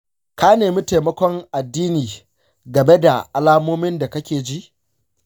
ka nemi taimakon addini game da alamomin da kake ji?